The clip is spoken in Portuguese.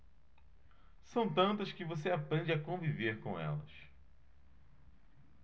são tantas que você aprende a conviver com elas